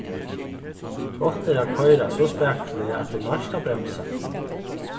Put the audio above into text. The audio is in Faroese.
gott er at koyra so spakuliga at tú nært at bremsa